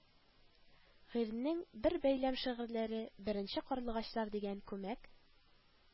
Гыйрьнең бер бәйләм шигырьләре «беренче карлыгачлар» дигән күмәк